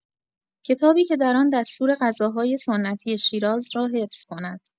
کتابی که در آن دستور غذاهای سنتی شیراز را حفظ کند.